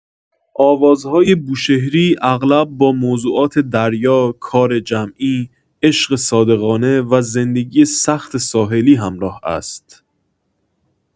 آوازهای بوشهری اغلب با موضوعات دریا، کار جمعی، عشق صادقانه و زندگی سخت ساحلی همراه است.